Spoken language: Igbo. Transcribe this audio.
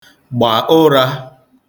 gbà ụrā